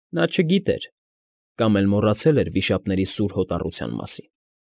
Նա չգիտեր կամ էլ մոռացել էր վիշապների սուր հոտառության մասին։